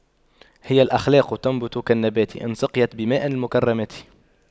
هي الأخلاق تنبت كالنبات إذا سقيت بماء المكرمات